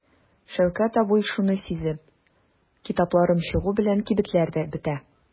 Шәүкәт абый шуны сизеп: "Китапларым чыгу белән кибетләрдә бетә".